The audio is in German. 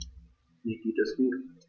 Mir geht es gut.